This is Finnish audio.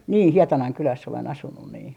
niin Hietanan kylässä olen asunut niin